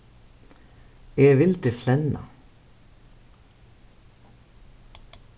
eg vildi flenna